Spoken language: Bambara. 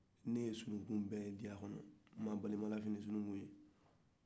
ne ye sununkun bɛ ye diɲa kɔnɔ n'ma balimaya lafili sununkun ye